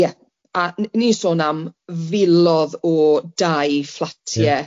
Ie a n- ni'n sôn am filodd o dai, fflatie